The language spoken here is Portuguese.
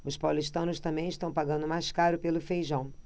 os paulistanos também estão pagando mais caro pelo feijão